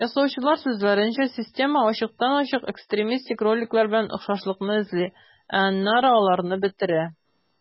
Ясаучылар сүзләренчә, система ачыктан-ачык экстремистик роликлар белән охшашлыкны эзли, ә аннары аларны бетерә.